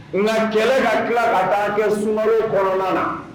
Nka kɛlɛ ka tila ka taa kɛ sunkalo kɔnɔna na